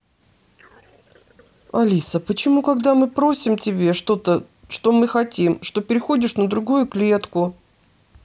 алиса почему когда мы просим тебе что то что мы хотим что переходишь на другую клетку